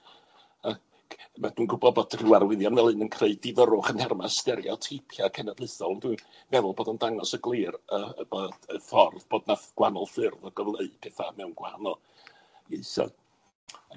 ac beth dwi'n gwbod bod ryw arwyddion fel hyn yn creu difyrrwch yn nherma stereoteipia cenedlaethol, ond dwi'n meddwl bod o'n dangos yn glir yy yy y ffordd bod 'na gwahanol ffyrdd o gyfleu petha mewn gwahanol ieithoedd.